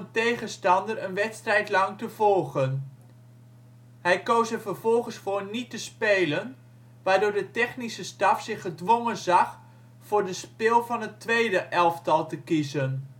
tegenstander een wedstrijd lang te volgen. " Hij koos er vervolgens voor niet te spelen, waardoor de technische staf zich gedwongen zag voor de spil van het tweede elftal te kiezen